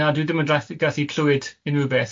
Na dwi ddim yn dra- gallu clywed unrwbeth.